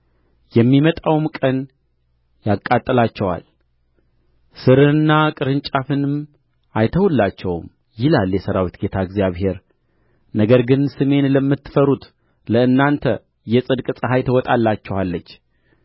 የሚመጣውም ቀን ያቃጥላቸዋል ሥርንና ቅርንጫፍንም አይተውላቸውም ይላል የሠራዊት ጌታ እግዚአብሔር ነገር ግን ስሜን ለምትፈሩት ለእናንተ የጽድቅ ፀሐይ ትወጣላችኋለች